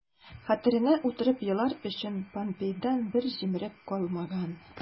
Хәтеренә утырып елар өчен помпейдан бер җимерек калмаган...